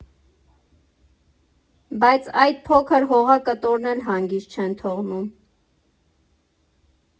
Բայց այդ փոքր հողակտորն էլ հանգիստ չեն թողնում։